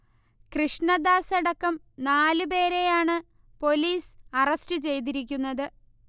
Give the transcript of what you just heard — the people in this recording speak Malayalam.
കൃഷ്ണദാസടക്കം നാല് പേരെയാണ് പൊലീസ് അറസ്റ്റ് ചെയ്തിരിക്കുന്നത്